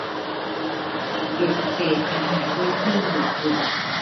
เก็บเศษอาหารด้วยเครื่องดูดฝุ่น